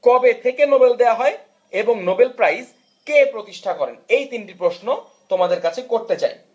কবে থেকে নোবেল দেয়া হয় এবং নোবেল প্রাইজ কে প্রতিষ্ঠা করেন এই তিনটি প্রশ্ন তোমাদের কাছে করতে চাই